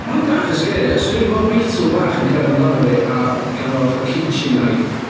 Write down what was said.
Mae bach yn scary ia, 'swn i'n gweld beetle bach yn cerdded amdana fi a gynna fo fatha kitchen knife.